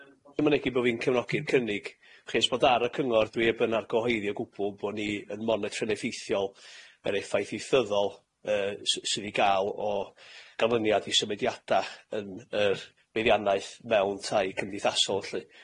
'Im yn mynegi bo' fi'n cefnogi'r cynnig, w' chi e's bod ar y cyngor dwi heb 'yn argyhoeddi o gwbwl bo' ni yn monitro'n effeithiol yr effaith ieithyddol yy s- sydd i ga'l o ganlyniad i symudiada yn yr beiriannaeth mewn tai cymdeithasol ylly.